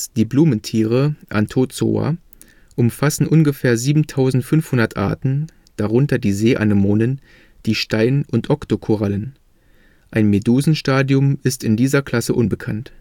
Die Blumentiere (Anthozoa) umfassen ungefähr 7500 Arten, darunter die Seeanemonen, die Stein - und Oktokorallen. Ein Medusenstadium ist in dieser Klasse unbekannt